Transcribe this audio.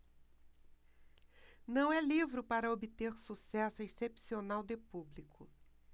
não é livro para obter sucesso excepcional de público